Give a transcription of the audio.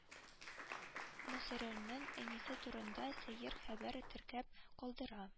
Насыйриның әнисе турында сәер хәбәр теркәп калдыра